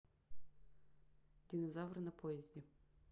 динозавры на поезде